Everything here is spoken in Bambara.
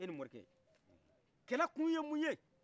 kɛlɛ kun ye mun ye